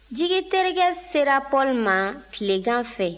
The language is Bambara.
jigi terikɛ sera paul ma tilegan fɛ